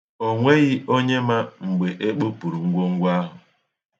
O nweghị onye ma mgbe e kpopụrụ ngwongwo ahụ.